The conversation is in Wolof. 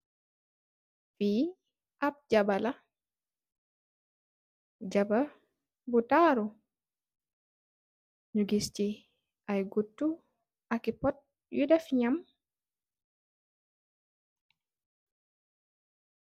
Li ap jaba la , jaba bu taaru . Ñu gis ci ay gutuh ahi pot yu def jàm.